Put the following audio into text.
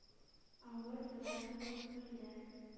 Авыр уйлар тулы күңелдә,